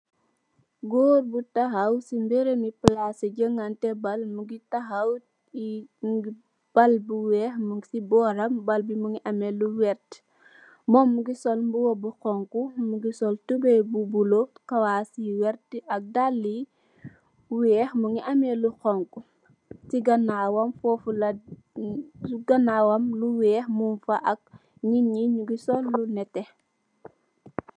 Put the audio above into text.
Goor bu tahaw se mereme plase juganteh bal muge tahaw eh pur bal bu weex mug se boram bal be muge lu verte mum muge sol muba bu xonxo muge sol tubaye bu bulo kawass yu werte ak dalle ye weex muge ameh lu xonxo se ganawam fofu la se ganawam muge weex mug fa ak neetnye nuge sol lu neteh.